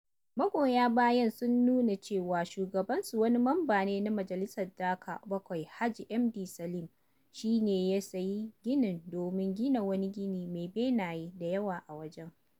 Magoya bayan sun nuna cewa shugabansu, wani mamba na majalisa (Dhaka-7) Haji Md. Salim, shi ne ya sayi ginin domin gina wani gine mai benaye da yawa a wajen.